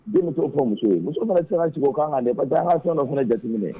Den'o fɔ musow ye muso mana sera cogo k kan de ba' fɛn dɔ fana jateminɛ